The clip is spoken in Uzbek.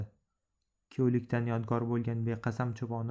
kuyovlikdan yodgor bo'lgan beqasam choponi